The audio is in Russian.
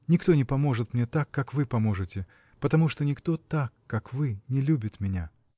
Никто не поможет мне так, как вы поможете, потому что никто так, как вы, не любит меня.